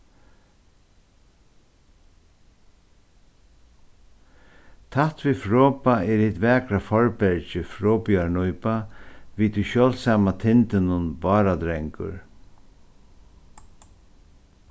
tætt við froðba er hitt vakra forbergið froðbiarnípa við tí sjáldsama tindinum báradrangur